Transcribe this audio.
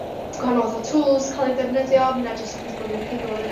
gwahanol fatha' tools gael ei defnyddio ma' hynna jyst achos bo' fi 'di pigo fo fyny achos